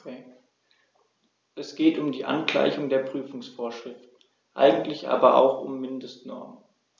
Es geht um die Angleichung der Prüfungsvorschriften, eigentlich aber auch um Mindestnormen.